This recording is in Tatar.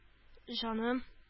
Җаным